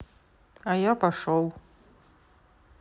а я пошел